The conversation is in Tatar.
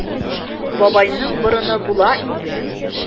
Бабайның борыны була инде.